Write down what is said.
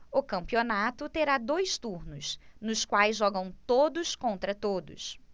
o campeonato terá dois turnos nos quais jogam todos contra todos